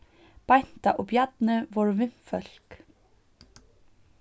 beinta og bjarni vóru vinfólk